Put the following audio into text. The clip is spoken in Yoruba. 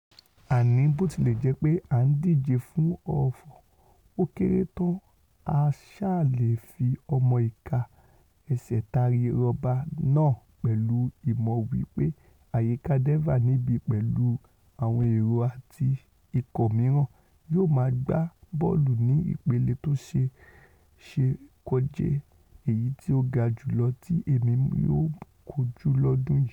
Àní botilẹjepe à ńdíje fún òfo, ó kéré tán á sáà leè fi ọmọ-ìka ẹsẹ̀ taari rọ́bà náà pẹ̀lú ìmọ̀ wí pé àyíká Denver níbí pẹ̀lú àwọn èrò àti ikọ̀ mìíràn yóò maá gba bọ́ọ̀lù ní ipele tóṣeé ṣe kójẹ́ èyití ó ga jùlọ ti emi yóò kojú lọ́dún yìí.